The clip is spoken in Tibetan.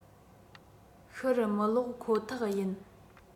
ཕྱིར མི བསློག ཁོ ཐག ཡིན